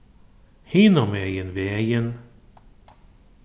hinumegin vegin